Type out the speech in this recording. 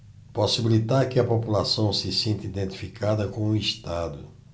possibilitar que a população se sinta identificada com o estado